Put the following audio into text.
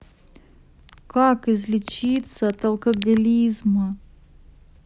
как излечиться от алкоголизма